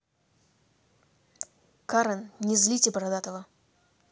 карен не злите бородатого